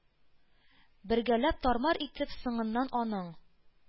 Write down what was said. Бергәләп тармар итеп, соңыннан аның